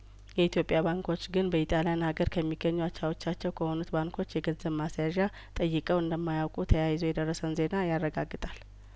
የኢትዮጵያ ባንኮች ግን በኢጣሊያን ሀገር ከሚገኙ አቻዎቻቸው ከሆኑት ባንኮች የገንዘብ ማስያዣ ጠይቀው እንደማያውቁ ተያይዞ የደረሰን ዜና ያረጋግጣል